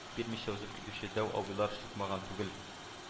Бирмичә узып китүче «дәү абыйлар» чыкмаган түгел